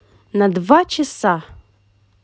на два часа